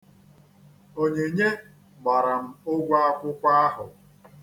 Onyinye gbara m ụgwọ akwụkwọ ahụ.